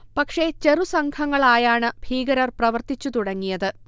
പക്ഷേ, ചെറു സംഘങ്ങളായാണു ഭീകരർ പ്രവർത്തിച്ചു തുടങ്ങിയത്